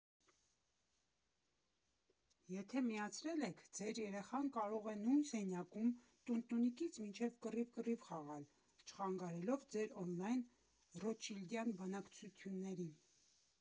Եթե միացրել եք, ձեր երեխան կարող է նույն սենյակում տունտունիկից մինչև կռիվ֊կռիվ խաղալ՝ չխանգարելով ձեր օնլայն ռոթշիլդյան բանակցություններին ։